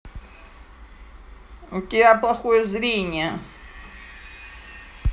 у тебя плохое зрение